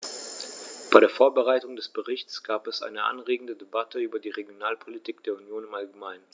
Bei der Vorbereitung des Berichts gab es eine anregende Debatte über die Regionalpolitik der Union im allgemeinen.